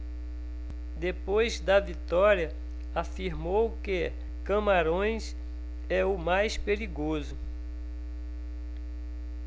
depois da vitória afirmou que camarões é o mais perigoso